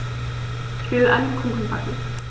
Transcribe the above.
Ich will einen Kuchen backen.